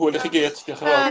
Hwyl i chi gyd, diolch yn fawr.